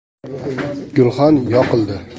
gulxan yoqildi